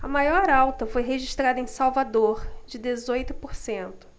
a maior alta foi registrada em salvador de dezoito por cento